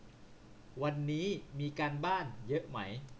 วันนี้มีการบ้านเยอะไหม